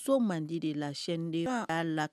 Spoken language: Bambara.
So man di de la sɛden' la